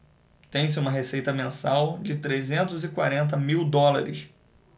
tem-se uma receita mensal de trezentos e quarenta mil dólares